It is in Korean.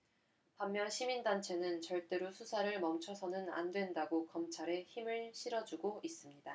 반면 시민단체는 절대로 수사를 멈춰서는 안 된다고 검찰에 힘을 실어주고 있습니다